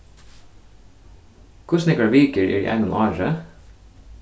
hvussu nógvar vikur eru í einum ári